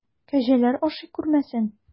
Кәҗәләр ашый күрмәсен!